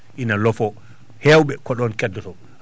ina loofo hewɓe ko ɗon keddoto